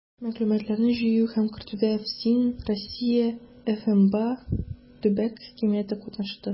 Мәгълүматларны җыю һәм кертүдә ФСИН, Россия ФМБА, төбәк хакимияте катнашты.